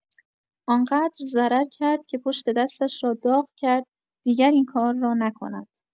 آن‌قدر ضرر کرد که پشت دستش را داغ کرد دیگر این کار را نکند.